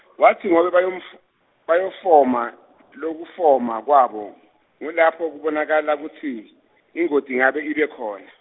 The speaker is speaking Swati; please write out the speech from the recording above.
watsi ngobe bayof- bayafoma, lokufoma kwabo, ngulapho kubonakala kutsi, ingoti ingabe ibe khona.